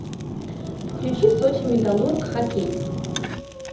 включи сочи металлург хоккей